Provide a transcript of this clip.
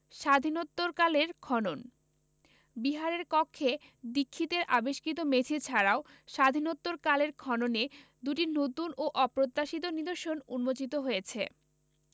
স্বাধীনত্তরকালের খননঃ বিহারের কক্ষে দীক্ষিতের আবিষ্কৃত মেঝে ছাড়াও স্বাধীনত্তর কালের খননে দুটি নতুন এবং অপ্রত্যাশিত নিদর্শন উন্মোচিত হয়েছে